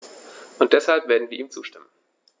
Und deshalb werden wir ihm zustimmen.